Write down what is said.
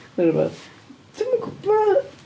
Dwi ddimm yn gwbod, dwi ddim yn gwybod.